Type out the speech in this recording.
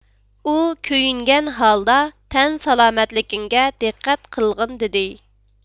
ئۇ كۆيۈنگەن ھالدا تەن سالامەتلىكىڭگە دىققەت قىلغىن دېدى